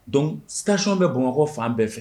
Donc skatiɔn bɛ bamakɔ fan bɛɛ fɛ